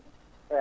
eyyi